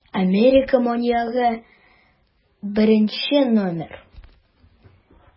Америка маньягы № 1